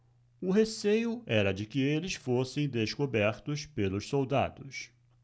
o receio era de que eles fossem descobertos pelos soldados